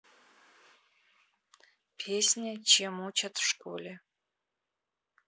песня чем учат в школе